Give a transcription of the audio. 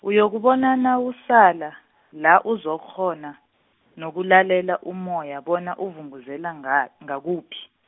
uyokubona nawusala, la uzokukghona, nokulalela umoya bona uvunguzela nga ngakuphi.